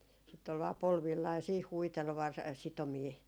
sitten oli vain polvillaan ja siihen huiteli - sitomia